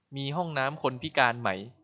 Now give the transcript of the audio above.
มีห้องน้ำคนพิการไหม